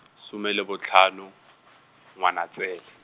some le botlhano, Ngwanatsele.